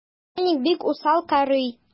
Начальник бик усал карый.